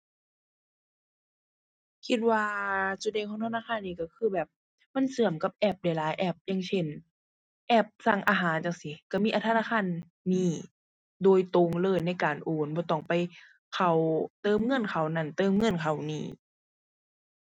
คิดว่าจุดเด่นของธนาคารนี้ก็คือแบบมันก็กับแอปได้หลายแอป อย่างเช่น แอปสั่งอาหารจั่งซี้ ก็มีแอปธนาคารนี้โดยตรงเลยในการโอน บ่ต้องไปเข้า เติมเงินเข้านั้น เติมเงินเข้านี้